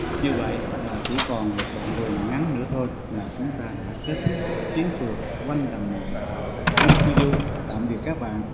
như vậy là chỉ còn một đoạn đường ngắn nữa thôi là chúng ta đã kết thúc chuyến phượt quanh đầm nại minh phiêu du thân ái tạm biệt các bạn